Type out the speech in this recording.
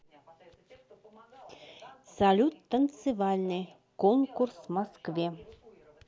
салют танцевальный конкурс в москве